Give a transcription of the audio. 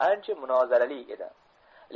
ancha munozarali edi